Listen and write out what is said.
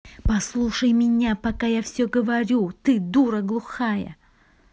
послушай меня пока я все говорю ты дура глухая